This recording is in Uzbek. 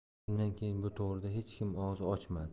shundan keyin bu to'g'rida hech kim og'iz ochmadi